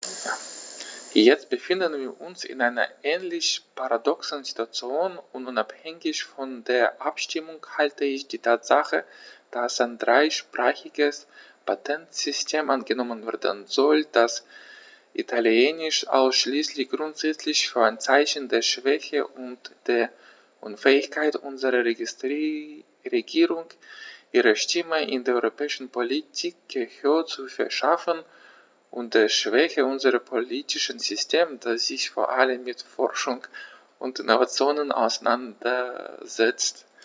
Jetzt befinden wir uns in einer ähnlich paradoxen Situation, und unabhängig von der Abstimmung halte ich die Tatsache, dass ein dreisprachiges Patentsystem angenommen werden soll, das Italienisch ausschließt, grundsätzlich für ein Zeichen der Schwäche und der Unfähigkeit unserer Regierung, ihrer Stimme in der europäischen Politik Gehör zu verschaffen, und der Schwäche unseres politischen Systems, das sich vor allem mit Forschung und Innovation auseinandersetzt.